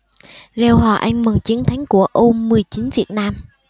reo hò ăn mừng chiến thắng của u mười chín việt nam